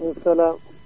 waleykum salaam